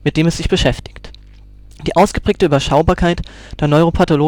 dem es sich beschäftigt. Die ausgeprägte Überschaubarkeit der neuropathologisch tätigen Ärzte oder